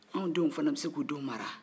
anw denw fana bɛ se k'u denw mara wa